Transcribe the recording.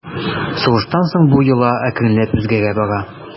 Сугыштан соң бу йола әкренләп үзгәрә бара.